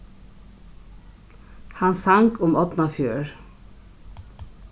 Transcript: hann sang um árnafjørð